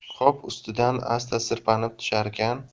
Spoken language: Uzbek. qop ustidan asta sirpanib tusharkan